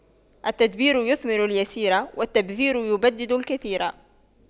التدبير يثمر اليسير والتبذير يبدد الكثير